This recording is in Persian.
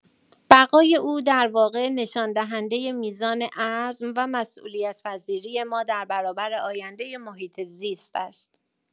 بقای او در واقع نشان‌دهنده میزان عزم و مسئولیت‌پذیری ما در برابر آینده محیط‌زیست است.